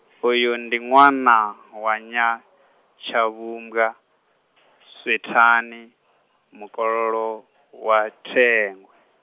uyu ndi ṅwana wa Nyatshavhumbwa, Swethani, mukololo wa Thengwe.